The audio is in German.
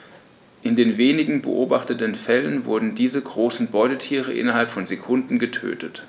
In den wenigen beobachteten Fällen wurden diese großen Beutetiere innerhalb von Sekunden getötet.